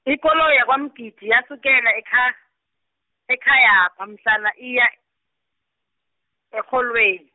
ikoloyi yakwaMgidi yasukela ekha-, ekhayapha mhlana iya, erholweni.